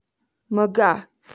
མི དགའ